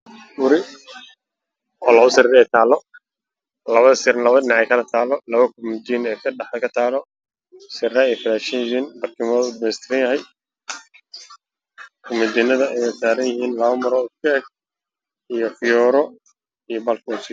Waa guri labo sariir ay taalo